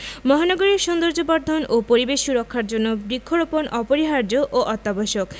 মহানগরীর সৌন্দর্যবর্ধন ও পরিবেশ সুরক্ষার জন্য বৃক্ষরোপণ অপরিহার্য ও অত্যাবশ্যক